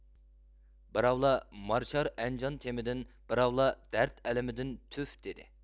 بىراۋلار مارىشار ئەنجان تېمىدىن بىراۋلار دەرد ئەلىمىدىن تۈف دېدى